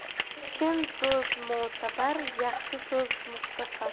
chin so'z mo'tabar yaxshi so'z muxtasar